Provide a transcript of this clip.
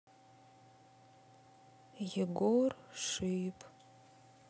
егор шип